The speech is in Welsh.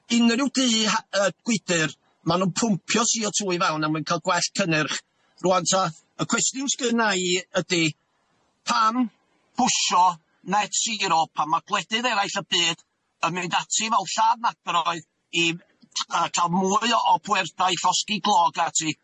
Unrhyw dŷ ha- yy gwydyr, ma' nw'n pwmpio See O Two i fewn a ma'n ca'l gwell cynnyrch rŵan ta, y cwestiwn sy gynna i ydi, pam pwsio net zero pan ma' gwledydd eraill y byd yn mynd ati fel lladd nadroedd i yy ca'l mwy o o pwerda i ffosgi glo ag ati?